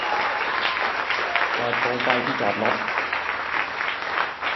เปิดโคมไฟที่จอดรถ